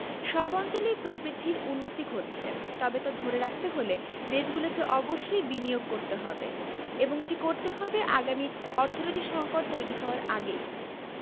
সব অঞ্চলেই প্রবৃদ্ধির উন্নতি ঘটছে তবে তা ধরে রাখতে হলে দেশগুলোকে অবশ্যই বিনিয়োগ করতে হবে এবং এটি করতে হবে আগামী অর্থনৈতিক সংকট তৈরি হওয়ার আগেই